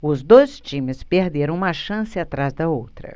os dois times perderam uma chance atrás da outra